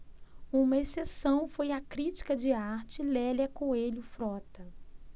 uma exceção foi a crítica de arte lélia coelho frota